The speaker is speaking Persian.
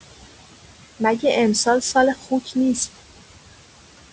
مگه امسال سال خوک نیست؟